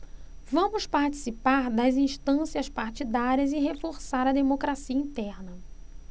vamos participar das instâncias partidárias e reforçar a democracia interna